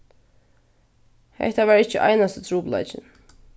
hetta var ikki einasti trupulleikin